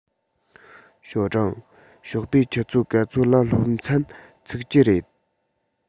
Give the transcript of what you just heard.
ཞའོ ཀྲུང ཞོགས པའི ཆུ ཚོད ག ཚོད ལ སློབ ཚན ཚུགས ཀྱི རེད